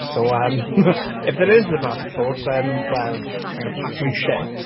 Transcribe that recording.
So yym, if there is the passport, then well, I'm going to pack my shit.